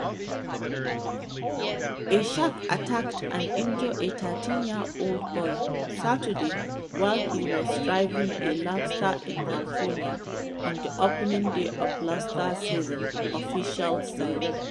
A shark attacked and injured a 13-year-old boy Saturday while he was diving for lobster in California on the opening day of lobster season, officials said.